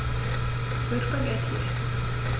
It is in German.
Ich will Spaghetti essen.